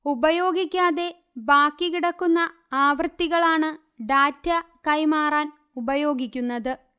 ഉപയോഗിക്കാതെ ബാക്കി കിടക്കുന്ന ആവൃത്തികളാണ് ഡാറ്റാ കൈമാറാൻ ഉപയോഗിക്കുന്നത്